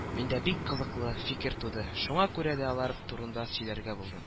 Миндә бик кызыклы фикер туды, шуңа күрә дә алар турында сөйләргә булдым